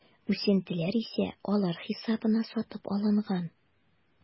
Үсентеләр исә алар хисабына сатып алынган.